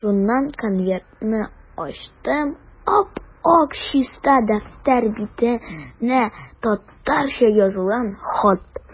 Шуннан конвертны ачтым, ап-ак чиста дәфтәр битенә татарча язылган хат.